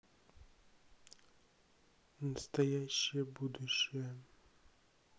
настоящее будущее